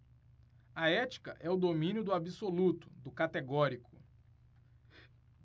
a ética é o domínio do absoluto do categórico